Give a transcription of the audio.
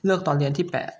เลือกตอนเรียนที่แปด